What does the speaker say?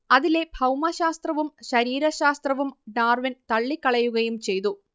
അതിലെ ഭൗമശാസ്ത്രവും ശരീരശാസ്ത്രവും ഡാർവിൻ തള്ളിക്കളയുകയും ചെയ്തു